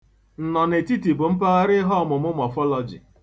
Nnọnetiti bụ mpaghara ihe ọmụmụ mọfọlọjị.